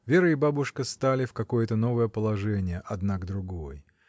Вера и бабушка стали в какое-то новое положение одна к другой.